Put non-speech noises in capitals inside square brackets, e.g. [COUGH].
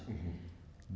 [HESITATION] [HESITATION]